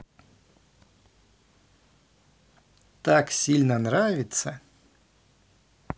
так сильно нравится